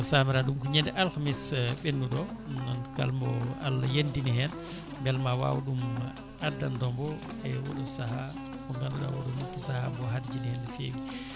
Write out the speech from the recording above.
o samra ɗum ko ñande alkamisa ɓennuɗo o ɗum noon kalmo Allah yandini hen beel ma waw ɗum addandebo e oɗo saaha mo ganduɗa oɗo ni ko saaha mo harjini hen no fewi